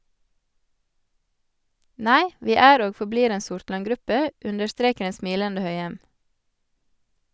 - Nei, vi er og forblir en Sortland-gruppe, understreker en smilende Høyem.